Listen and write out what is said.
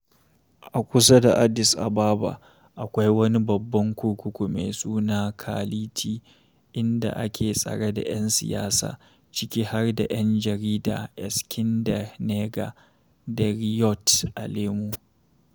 A kusa da Addis Ababa, akwai wani babban kurkuku mai suna Kality inda ake tsare da yan siyasa, ciki har da yan jarida Eskinder Nega da Reeyot Alemu.